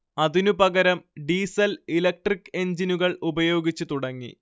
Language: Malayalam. അതിനുപകരം ഡീസൽ ഇലക്ട്രിക്ക് എഞ്ചിനുകൾ ഉപയോഗിച്ചു തുടങ്ങി